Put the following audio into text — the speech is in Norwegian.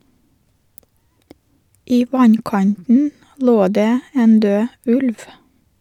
I vannkanten lå det en død ulv.